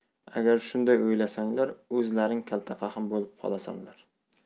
agar shunday o'ylasanglar o'zlaring kaltafahm bo'lib qolasanlar